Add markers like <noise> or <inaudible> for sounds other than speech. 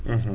<hesitation> <hesitation>